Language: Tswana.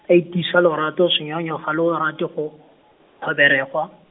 a itisa lorato senyonyo ga lo rate go, kgoberwe gwa-.